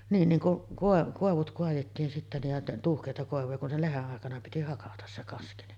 niin niin kun - koivut kaadettiin sitten niin ja tuuheita koivuja kun se lehden aikana piti hakata se kaski niin